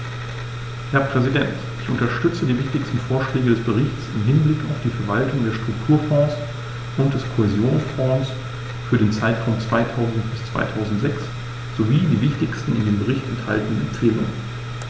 Herr Präsident, ich unterstütze die wichtigsten Vorschläge des Berichts im Hinblick auf die Verwaltung der Strukturfonds und des Kohäsionsfonds für den Zeitraum 2000-2006 sowie die wichtigsten in dem Bericht enthaltenen Empfehlungen.